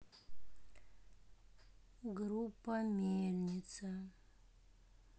группа мельница